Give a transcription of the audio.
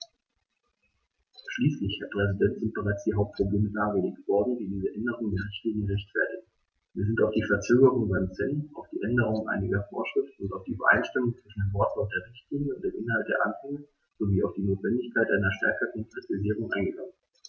Schließlich, Herr Präsident, sind bereits die Hauptprobleme dargelegt worden, die diese Änderung der Richtlinie rechtfertigen, wir sind auf die Verzögerung beim CEN, auf die Änderung einiger Vorschriften, auf die Übereinstimmung zwischen dem Wortlaut der Richtlinie und dem Inhalt der Anhänge sowie auf die Notwendigkeit einer stärkeren Präzisierung eingegangen.